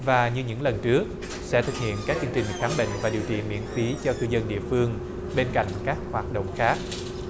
và như những lần trước sẽ thực hiện các chương trình khám bệnh và điều trị miễn phí cho cư dân địa phương bên cạnh các hoạt động khác